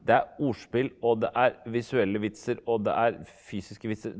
det er ordspill og det er visuelle vitser og det er fysiske vitser.